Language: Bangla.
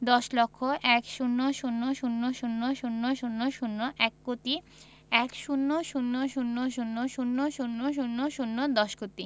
দশ লক্ষ ১০০০০০০০ এক কোটি ১০০০০০০০০ দশ কোটি